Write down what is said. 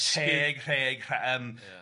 teg, rheg, rha- yym ia.